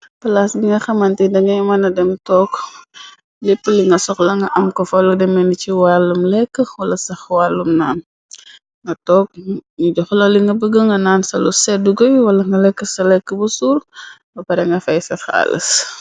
Palaas bi nga xamanti dangay mëna dem took lepp li nga sox langa am ko fa lo deme ni ci wàllum lekk xula sax wàllumna nga toog ni joxla li nga bëgga nga naan sa lu seddu goy wala nga lekk sa lekk bu suur ba pare nga fay sa xaalas.